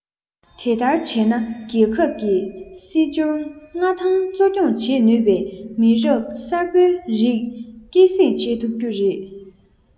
དེ ལྟར བྱས ན རྒྱལ ཁབ ཀྱི སྲིད འབྱོར མངའ ཐང གཙོ སྐྱོང བྱེད ནུས པའི མི རབས གསར བའི རིགས སྐྱེད སྲིང བྱེད ཐུབ རྒྱུ རེད